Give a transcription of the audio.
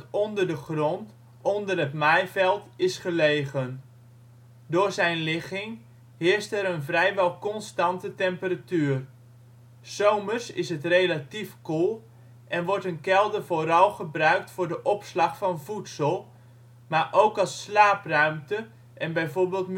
onder de grond (onder het maaiveld) is gelegen. Door zijn ligging heerst er een vrijwel constante temperatuur. ' s Zomers is het relatief koel en wordt een kelder vooral gebruikt voor de opslag van voedsel, maar ook als slaapruimte en bijvoorbeeld